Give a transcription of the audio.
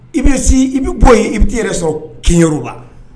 I bɛ i bɛ bɔ i bɛ taa yɛrɛ sɔrɔ kinoroba